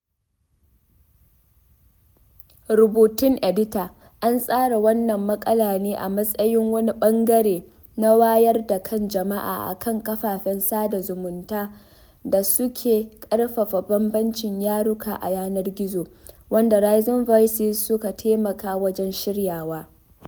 Rubutun Edita: An tsara wannan maƙala ne a matsayin wani ɓangare na wayar da kan jama'a akan kafafen sada zumunta da suke ƙarfafa bambancin yaruka a yanar-gizo, wanda Rising Voices suka taimaka wajen shiryawa.